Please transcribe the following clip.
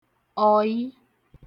ọ̀yị